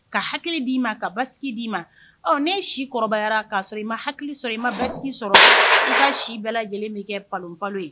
Ka hakili b'i ma ka ba b'i ma ɔ ne ye si kɔrɔbayayara kaa sɔrɔ i ma hakili sɔrɔ i ma basigi sɔrɔ i ka si bɛɛ lajɛlen min kɛ fa balo ye